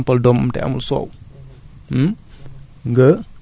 jigéen ju nga xamante ni dafa war a nàmpal doomam te amul soow